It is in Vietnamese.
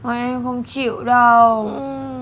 thôi em không chịu đâu